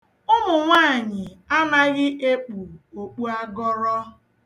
Ụmụnwaanyị anaghị ekpu okpuagọrọ.